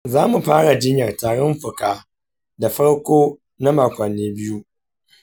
za mu fara jiyyar tarin fuka da farko na makonni biyu.